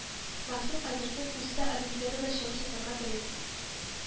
Максим Озерцов үзе дә Олимпиадада чыгыш ясарга тели